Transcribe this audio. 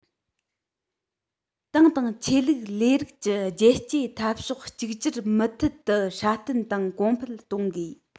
ཏང དང ཆོས ལུགས ལས རིགས ཀྱི རྒྱལ གཅེས འཐབ ཕྱོགས གཅིག གྱུར མུ མཐུད དུ སྲ བརྟན དང གོང འཕེལ གཏོང དགོས